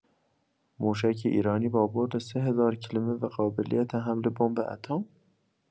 موشک ایرانی با برد سه‌هزار کیلومتر و قابلیت حمل بمب اتم؟